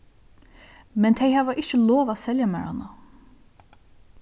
men tey hava ikki lov at selja mær hana